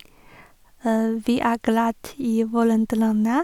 Vi er glad i hverandre lenge.